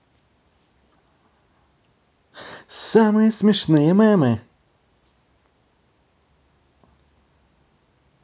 самые смешные мемы